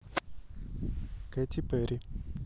кэтти перри